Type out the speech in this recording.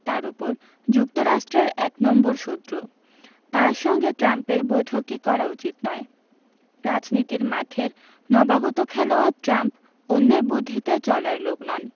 তার ওপর যুক্তরাষ্ট্রের এক নম্বর শত্রু তাঁর সঙ্গে ট্রাম্পের বৈঠকই করা উচিত নয় রাজনীতির মাঠের নবাগত খেলোয়াড় ট্রাম্প অন্যের বুদ্ধিতে চলার লোক নন